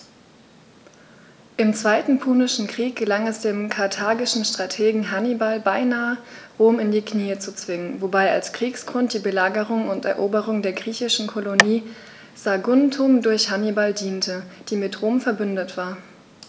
Im Zweiten Punischen Krieg gelang es dem karthagischen Strategen Hannibal beinahe, Rom in die Knie zu zwingen, wobei als Kriegsgrund die Belagerung und Eroberung der griechischen Kolonie Saguntum durch Hannibal diente, die mit Rom „verbündet“ war.